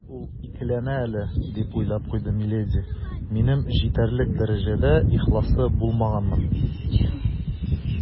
«ул икеләнә әле, - дип уйлап куйды миледи, - минем җитәрлек дәрәҗәдә ихласлы булмаганмын».